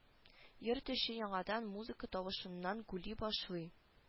Йорт эче яңадан музыка тавышыннан гүли башлый